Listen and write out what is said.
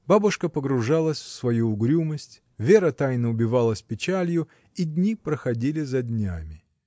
Бабушка погружалась в свою угрюмость, Вера тайно убивалась печалью, и дни проходили за днями.